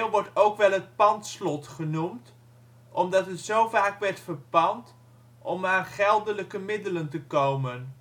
wordt ook wel het ' pandslot ' genoemd, omdat het zo vaak werd verpand om aan geldelijke middelen te komen